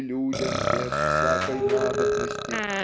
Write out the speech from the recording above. и людям без всякой надобности